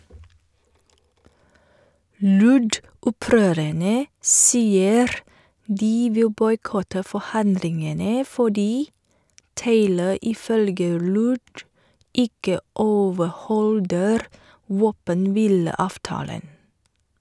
LURD-opprørerne sier de vil boikotte forhandlingene fordi Taylor ifølge LURD ikke overholder våpenhvileavtalen.